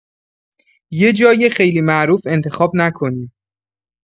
یه جای خیلی معروف انتخاب نکنیم.